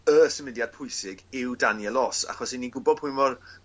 y symudiad pwysig yw Daniel Oss achos 'yn ni'n gwbod pwy mor